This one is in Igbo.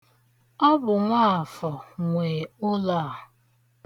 Ọ bụ Nwaafọ nwe ụlọ a.